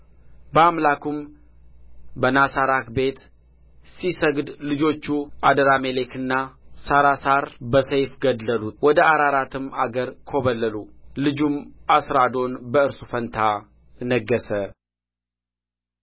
በአምላኩም በናሳራክ ቤት ሲሰግድ ልጆቹ አደራሜሌክና ሳራሳር በሰይፍ ገደሉት ወደ አራራትም አገር ኰበለሉ ልጁም አስራዶን በእርሱ ፋንታ ነገሠ